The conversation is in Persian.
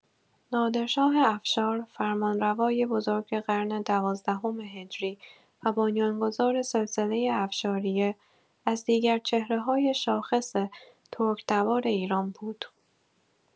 نادرشاه افشار، فرمانروای بزرگ قرن دوازدهم هجری و بنیان‌گذار سلسله افشاریه، از دیگر چهره‌های شاخص ترک‌تبار ایران بود.